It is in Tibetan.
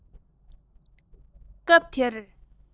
སྐབས དེར